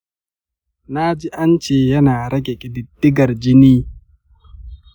naji ance yana rage ƙididdigar jini.